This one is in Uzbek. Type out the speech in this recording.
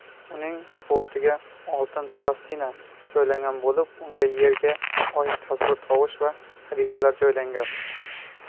uning bortiga oltin plastina joylangan bo'lib unga yerga oid tasvir tovush va xaritalar joylangan